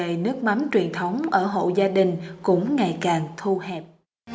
nghề nước mắm truyền thống ở hộ gia đình cũng ngày càng thu hẹp